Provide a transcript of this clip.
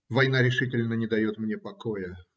Война решительно не дает мне покоя.